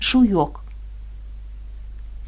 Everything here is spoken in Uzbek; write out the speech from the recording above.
shu yo'q